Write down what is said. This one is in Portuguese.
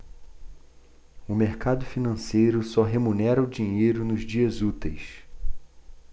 o mercado financeiro só remunera o dinheiro nos dias úteis